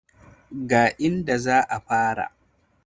Ga inda za a fara.